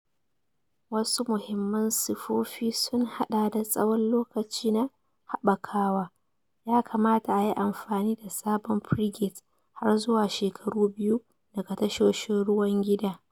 Wasu muhimman siffofi sun haɗa da tsawon lokaci na haɓakawa - ya kamata a yi amfani da sabon frigates har zuwa shekaru biyu daga tashoshin ruwan gida.